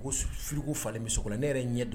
Ko frigo falen bɛ sogo la ne yɛrɛ ɲɛ don